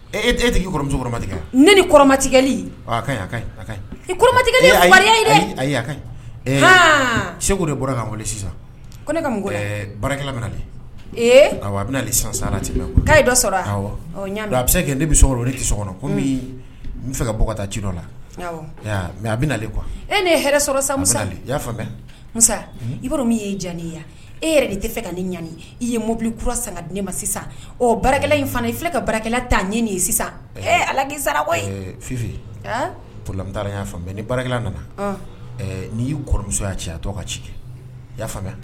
Emusomatigi ne ni kɔrɔmakɛma dɛ ayi segu de bɔra sisan ko ne bara a bɛ sati' dɔ sɔrɔ a bɛ se kɛ ne bɛ tɛ kɔnɔ ko n fɛ kaɔgɔta ci dɔ la mɛ a bɛ na kuwa e ne sɔrɔ sa i y'a mu i min y ye diyaani ye e yɛrɛ de tɛ fɛ ka ne ɲani i ye mobili kura san ka di ne ma sisan o barakɛla in fana ye filɛ ka barakɛla ta ye nin ye sisan ee ala sarara fila y'a ni bara nana n'i y'i kɔrɔmusoya cɛ a tɔgɔ ka ci kɛ i y'a faamuya